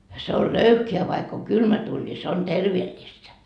se on löyhkeä vaikka on kylmä tuuli niin se on terveellistä